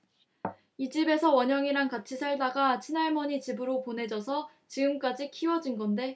이 집에서 원영이랑 같이 살다가 친할머니 집으로 보내져서 지금까지 키워진 건데